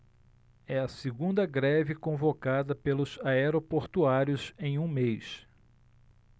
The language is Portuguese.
é a segunda greve convocada pelos aeroportuários em um mês